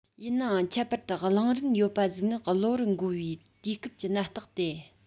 ཡིན ནའང ཁྱད པར དུ གླེང རིན ཡོད པ ཞིག ནི གློ བུར འགོ བའི དུས སྐབས ཀྱི ནད རྟགས དེ